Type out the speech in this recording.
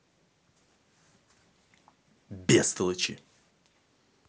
бестолочи